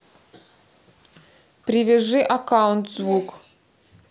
привяжи аккаунт звук